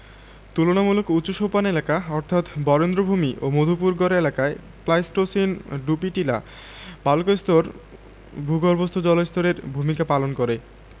তুলনামূলক উঁচু সোপান এলাকা অর্থাৎ বরেন্দ্রভূমি ও মধুপুরগড় এলাকায় প্লাইসটোসিন ডুপি টিলা বালুকাস্তর ভূগর্ভস্থ জলস্তরের ভূমিকা পালন করে